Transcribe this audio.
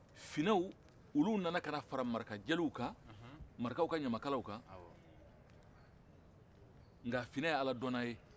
finɛw olu nana kana fara maraka jeliw kan marakaw ka ɲamakalaw kan nka finɛ ye ala dɔnna ye